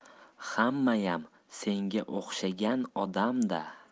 hammayam senga o'xshagan odam da